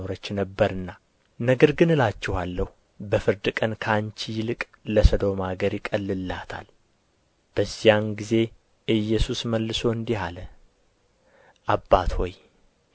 በኖረች ነበርና ነገር ግን እላችኋለሁ በፍርድ ቀን ከአንቺ ይልቅ ለሰዶም አገር ይቀልላታል በዚያን ጊዜ ኢየሱስ መልሶ እንዲህ አለ አባት ሆይ